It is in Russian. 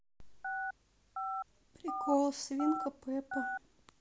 прикол свинка пеппа